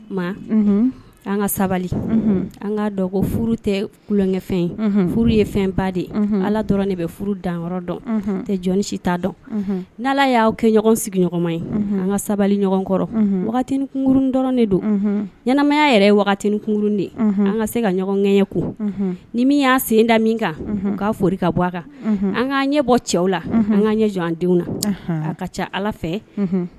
Tɛ kukɛfɛn ye fɛnba de ye ala de bɛ furu dan dɔn tɛ si t dɔn ni ala y'aw kɛ ɲɔgɔn sigiɲɔgɔnma ye an ka sabali ɲɔgɔn kɔrɔurun dɔrɔn don ɲɛnaɛnɛmaya yɛrɛ yekun de ye an ka se ka ɲɔgɔngɛnɲɛ kun ni min y'a sen da min kan k'a foli ka bɔ a kan an k' ɲɛ bɔ cɛw la an ka ɲɛ jɔ denw na' ka ca ala fɛ